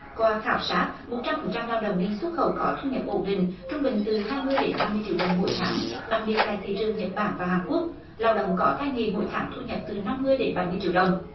qua khảo sát một trăm phần trăm lao động đi xuất khẩu có thu nhập ổn định trung bình từ hai mươi đến ba mươi triệu đồng mỗi tháng đặc biệt tại thị trường nhật bản và hàn quốc lao động có tay nghề mỗi tháng thu nhập từ năm mươi đến bảy mươi triệu đồng